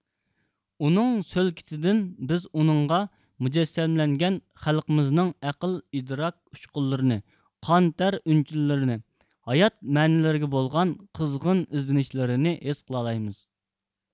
ئۇنىڭ سۆلكىتىدىن بىز ئۇنىڭغا مۇجەسسەملەنگەن خەلقىمىزنىڭ ئەقىل ئىدراك ئۇچقۇنلىرىنى قان تەر ئۈنچىلىرىنى ھايات مەنىلىرىگە بولغان قىزغىن ئىزدىنىشلىرىنى ھېس قىلالايمىز